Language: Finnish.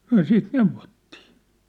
me sitten neuvottiin